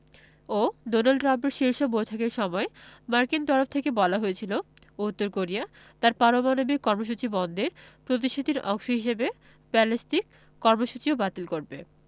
ও Donald ট্রাম্পের শীর্ষ বৈঠকের সময় মার্কিন তরফ থেকে বলা হয়েছিল উত্তর কোরিয়া তার পারমাণবিক কর্মসূচি বন্ধের প্রতিশ্রুতির অংশ হিসেবে ব্যালিস্টিক কর্মসূচিও বাতিল করবে